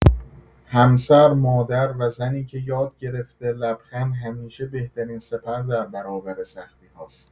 همسر، مادر، و زنی که یاد گرفته لبخند همیشه بهترین سپر در برابر سختی‌هاست.